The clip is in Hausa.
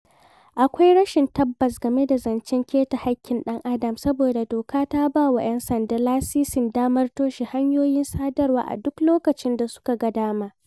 Akwai rashin tabbas game da zancen keta haƙƙin ɗan adam saboda doka ta ba wa 'yan sanda lasisin damar toshe hanyoyin sadarwa a duk lokacin da su ka ga dama.